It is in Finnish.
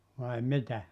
vai mitä